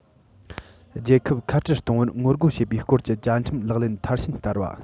རྒྱལ ཁབ ཁ བྲལ གཏོང བར ངོ རྒོལ བྱེད པའི སྐོར གྱི བཅའ ཁྲིམས ལག ལེན མཐར ཕྱིན བསྟར བ